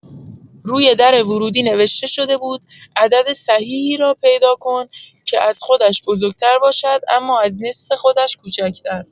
روی در ورودی نوشته شده بود: «عدد صحیحی را پیدا کن که از خودش بزرگ‌تر باشد اما از نصف خودش کوچک‌تر!»